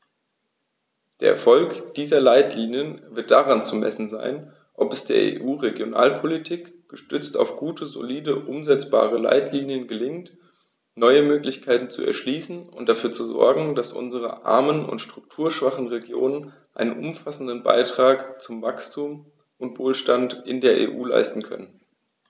Der Erfolg dieser Leitlinien wird daran zu messen sein, ob es der EU-Regionalpolitik, gestützt auf gute, solide und umsetzbare Leitlinien, gelingt, neue Möglichkeiten zu erschließen und dafür zu sorgen, dass unsere armen und strukturschwachen Regionen einen umfassenden Beitrag zu Wachstum und Wohlstand in der EU leisten können.